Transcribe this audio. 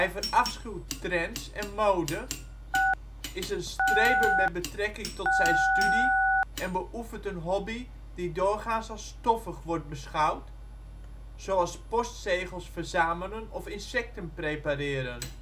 verafschuwt trends en mode, is een streber met betrekking tot zijn studie en beoefent een hobby die doorgaans als stoffig wordt beschouwd, zoals postzegels verzamelen of insecten prepareren